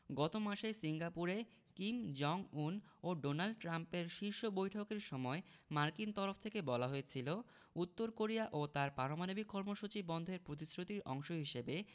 গত মাসে সিঙ্গাপুরে কিম জং উন ও ডোনাল্ড ট্রাম্পের শীর্ষ বৈঠকের সময় মার্কিন তরফ থেকে বলা হয়েছিল উত্তর কোরিয়া তার পারমাণবিক কর্মসূচি বন্ধের প্রতিশ্রুতির অংশ হিসেবে